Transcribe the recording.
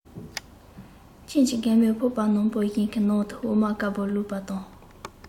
ཁྱིམ གྱི རྒན མོས ཕོར པ ནག པོ ཞིག གི ནང དུ འོ མ དཀར པོ བླུགས པ དང